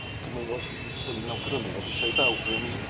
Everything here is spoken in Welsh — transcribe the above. Y cymy fo- fydd- fyddwn ni'n awgrymu fod isio i bawb onon ni